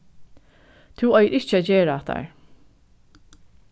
tú eigur ikki at gera hattar